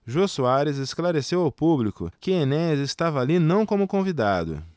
jô soares esclareceu ao público que enéas estava ali não como convidado